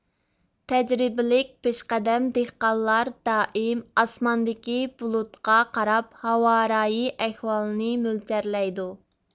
تەجرىبىلىك پېشقەدەم دېھقانلار دائىم ئاسماندىكى بۇلۇتقا قاراپ ھاۋارايى ئەھۋالىنى مۆلچەرلەيدۇ